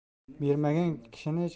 bermagan kishini